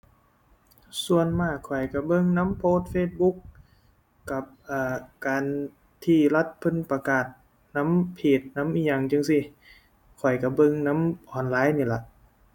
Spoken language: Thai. ส่วนมากข้อยก็เบิ่งนำโพสต์ Facebook กับ เอ่อ การที่รัฐเพิ่นประกาศนำเพจ นำอิหยังจั่งซี้ ข้อยก็เบิ่งนำออนไลน์นี่ล่ะ